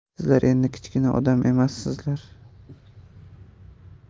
sizlar endi kichkina odam emassizlar